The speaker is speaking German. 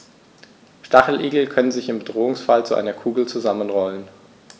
Stacheligel können sich im Bedrohungsfall zu einer Kugel zusammenrollen.